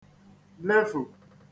lefù